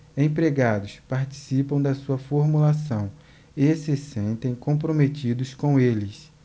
empregados participam da sua formulação e se sentem comprometidos com eles